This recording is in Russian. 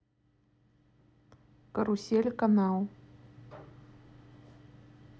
карусель канал